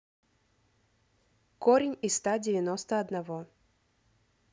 корень из ста девяносто одного